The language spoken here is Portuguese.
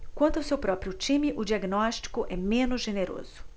quanto ao seu próprio time o diagnóstico é menos generoso